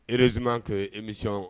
Erzima ke emision